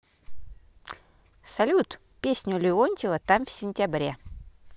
салют песню леонтьева там в сентябре